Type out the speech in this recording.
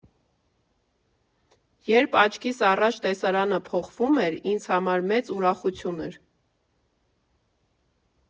Երբ աչքիս առաջ տեսարանը փոխվում էր, ինձ համար մեծ ուրախություն էր։